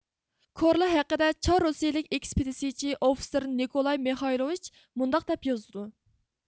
كورلا ھەققىدە چار رۇسىيىلىك ئېكسپېدىتسىيىچى ئوفىتسېر نىكولاي مېخايلوۋېچ مۇنداق دەپ يازىدۇ